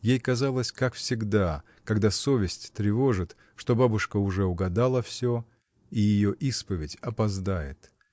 Ей казалось, как всегда, когда совесть тревожит, что бабушка уже угадала всё и ее исповедь опоздает.